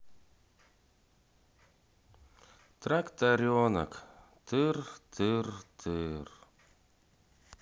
тракторенок тыр тыр тыр